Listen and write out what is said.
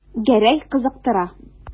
Гәрәй кызыктыра.